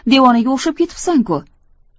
devonaga o'xshab ketibsan ku